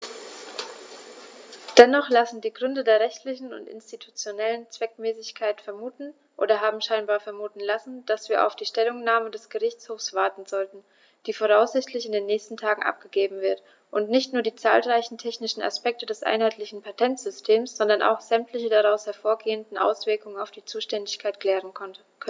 Dennoch lassen die Gründe der rechtlichen und institutionellen Zweckmäßigkeit vermuten, oder haben scheinbar vermuten lassen, dass wir auf die Stellungnahme des Gerichtshofs warten sollten, die voraussichtlich in den nächsten Tagen abgegeben wird und nicht nur die zahlreichen technischen Aspekte des einheitlichen Patentsystems, sondern auch sämtliche daraus hervorgehenden Auswirkungen auf die Zuständigkeit klären könnte.